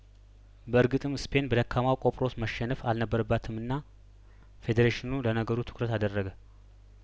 በእርግጥም ስፔን በደካማዋ ቆጵሮስ መሸነፍ አልነበረ ባትምና ፌዴሬሽኑ ለነገሩ ትኩረት አደረገ